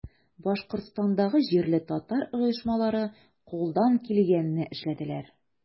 Башкортстандагы җирле татар оешмалары кулдан килгәнне эшләделәр.